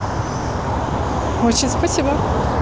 очень спасибо